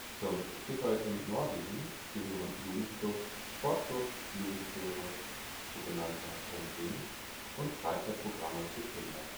Zum CVJM Norwegen gehören Jugendklubs, Sportklubs, Jugendchöre (Ten Sing) und Freizeitprogramme für Kinder